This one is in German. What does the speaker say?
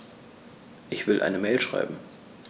Ich will eine Mail schreiben.